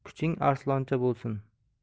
ham kuching arsloncha bo'lsin